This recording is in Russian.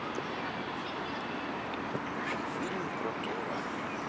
включи фильм про тора